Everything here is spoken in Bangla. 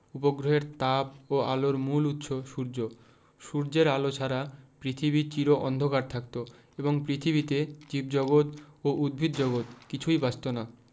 উপগ্রহের তাপ ও আলোর মূল উৎস সূর্য সূর্যের আলো ছাড়া পৃথিবী চির অন্ধকার থাকত এবং পৃথিবীতে জীবজগত ও উদ্ভিদজগৎ কিছুই বাঁচত না